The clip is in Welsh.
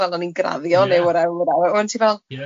Wel o'n i'n graddio... Ie. ...neu whatever whatever a wedyn ti fel... Ie.